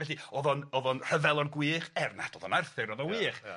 Felly o'dd o'n o'dd o'n rhyfelwr gwych er nad o'dd o'n Arthur o'dd o wych. Ia ia.